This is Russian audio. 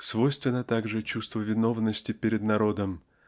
свойственно также чувство виновности пред народом